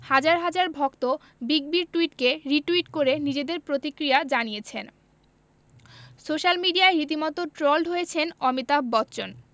হাজার হাজার ভক্ত বিগ বির টুইটকে রিটুইট করে নিজেদের প্রতিক্রিয়া জানিয়েছেন সোশ্যাল মিডিয়ায় রীতিমতো ট্রোলড হয়েছেন অমিতাভ বচ্চন